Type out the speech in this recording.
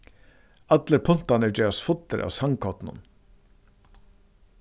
allir puntarnir gerast fullir av sandkornum